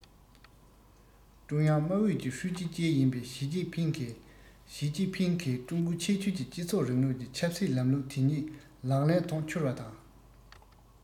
ཀྲུང དབྱང དམག ཨུད ཀྱི ཀྲུའུ ཞི བཅས ཡིན པའི ཞིས ཅིན ཕིང གིས ཞིས ཅིན ཕིང གིས ཀྲུང གོའི ཁྱད ཆོས ཀྱི སྤྱི ཚོགས རིང ལུགས ཀྱི ཆབ སྲིད ལམ ལུགས དེ ཉིད ལག ལེན ཐོག འཁྱོལ བ དང